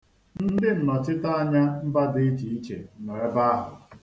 Ndị nnọchiteanya mbà dị iche iche nọ ebe ahụ.